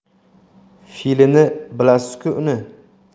fe'lini bilasizku uni